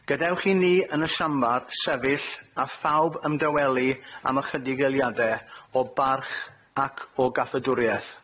Gadewch i ni yn y siambar sefyll, a phawb ymdawelu am ychydig eiliade, o barch ac o gaffadwrieth.